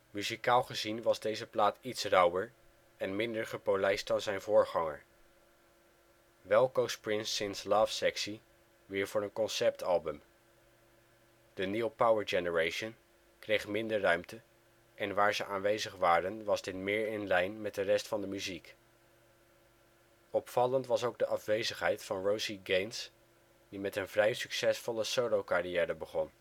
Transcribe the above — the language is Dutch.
Muzikaal gezien was deze plaat iets rauwer en minder gepolijst dan zijn voorganger. Wel koos Prince sinds Lovesexy weer voor een conceptalbum. De New Power Generation kreeg minder ruimte, en waar ze aanwezig waren was dit meer in lijn met de rest van de muziek. Opvallend was ook de afwezigheid van Rosie Gaines, die met een vrij succesvolle solocarrière begon